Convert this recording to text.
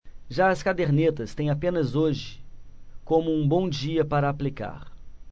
já as cadernetas têm apenas hoje como um bom dia para aplicar